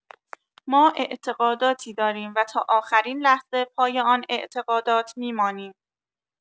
ما اعتقاداتی داریم و تا آخرین لحظه پای آن اعتقادات می‌مانیم.